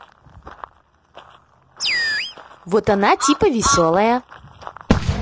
вот она типа веселая